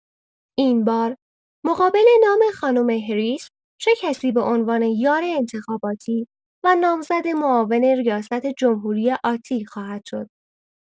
این بار مقابل نام خانم هریس چه کسی به عنوان یار انتخاباتی و نامزد معاون ریاست‌جمهوری آتی خواهد شد؟